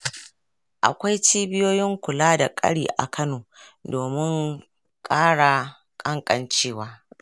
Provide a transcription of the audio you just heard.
akwai cibiyoyin kula da ƙari a kano domin ƙara ƙeƙancewa.